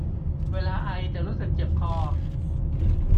เวลาไอจะรู้สึกเจ็บคอ